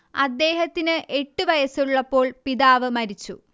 അദ്ദേഹത്തിന് എട്ടു വയസ്സുള്ളപ്പോൾ പിതാവ് മരിച്ചു